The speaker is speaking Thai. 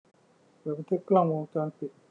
เปิดบันทึกกล้องวงจรปิด